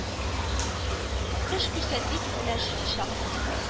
Эш күрсәтик, менә шул чак кына